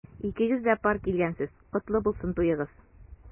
Икегез дә пар килгәнсез— котлы булсын туегыз!